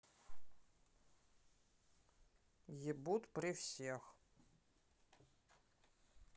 ебут при всех